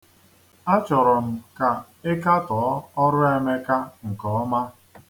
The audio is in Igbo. Achọrọ m ka ị katọọ ọrụ Emeka nke ọma.